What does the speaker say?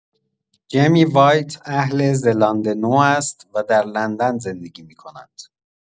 جمی وایت اهل زلاندنو است و در لندن زندگی می‌کند.